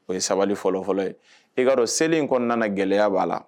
O ye sabali fɔlɔ fɔlɔ ye i ka dɔn seli in kɔnɔna nana gɛlɛyaya b'a la